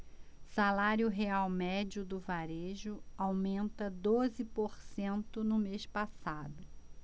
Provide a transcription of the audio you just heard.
salário real médio do varejo aumenta doze por cento no mês passado